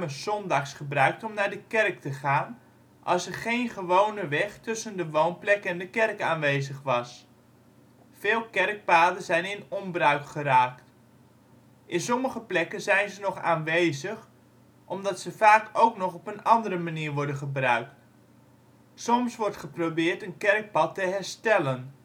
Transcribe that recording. zondags gebruikt om naar de kerk te gaan, als er geen gewone weg tussen de woonplek en de kerk aanwezig was. Veel kerkpaden zijn in onbruik geraakt. In sommige plekken zijn ze nog aanwezig, omdat ze vaak ook nog op een andere manier worden gebruikt. Soms wordt geprobeerd een kerkpad te herstellen